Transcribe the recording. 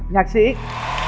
nhạc sĩ